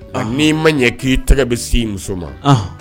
A n'i ma ɲɛ k'i tɔgɔ bɛ si muso ma